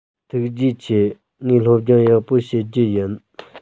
ཐུགས རྗེ ཆེ ངས སློབ སྦྱོང ཡག པོ བྱེད རྒྱུ ཡིན